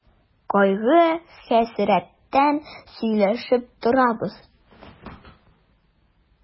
Кайгы-хәсрәттән сөйләшеп торабыз.